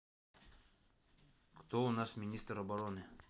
кто у нас министр обороны